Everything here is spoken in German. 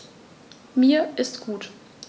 Mir ist gut.